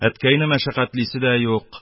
Әткәйне мәшәкатьлисе дә юк,